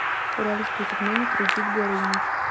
уральские пельмени кредит горыныч